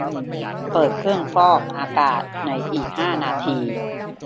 เปิดเครื่องฟอกอากาศในอีกห้านาที